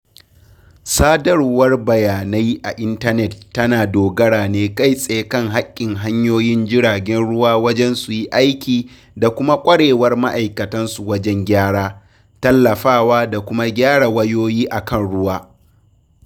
Sadarwar bayanai a intanet tana dogara ne kai tsaye kan haƙƙin hanyoyin jiragen ruwa wajen su yi aiki da kuma ƙwarewar ma’aikatansu wajen gyara, tallafawa da kuma gyara wayoyi akan ruwa.